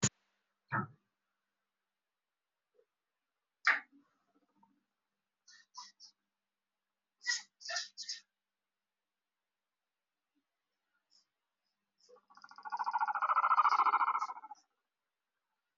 Waa meel isma ka socoto waxaa jooga nimid waxa ay wataan shaatiyo cagaar ah in ay ii muuqda oo gar weyn leh iyo nin badi lahaa